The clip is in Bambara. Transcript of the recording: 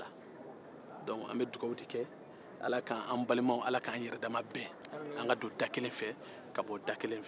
an bɛ dugawu de kɛ ala k'an balimaw don da kelen fɛ ka bɔ da kelen fɛ